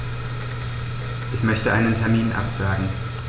Ich möchte einen Termin absagen.